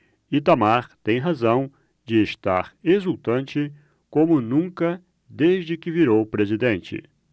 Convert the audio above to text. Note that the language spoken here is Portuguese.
itamar tem razão de estar exultante como nunca desde que virou presidente